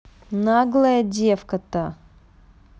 наглая девка то